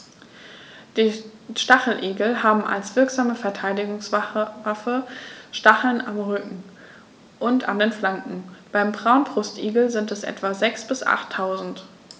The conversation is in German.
Die Stacheligel haben als wirksame Verteidigungswaffe Stacheln am Rücken und an den Flanken (beim Braunbrustigel sind es etwa sechs- bis achttausend).